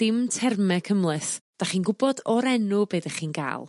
dim terme cymleth 'dach chi'n gwbod o'r enw be' 'dych chi'n ga'l.